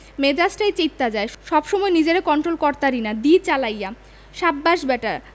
মেজাজটাই চেইত্তা যায় সব সময় নিজেরে কন্টোল করতারি না দি চালায়া সাব্বাস ব্যাটা